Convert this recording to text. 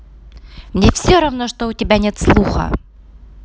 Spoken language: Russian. мне все равно что у тебя нет слуха